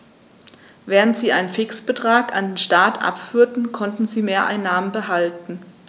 Während sie einen Fixbetrag an den Staat abführten, konnten sie Mehreinnahmen behalten.